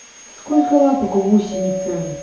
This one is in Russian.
сколько лапок у гусеницы